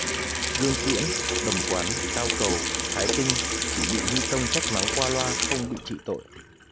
dương tiễn đồng quán cao cầu thái kinh chỉ bị huy tông trách mắng qua loa không bị trị tội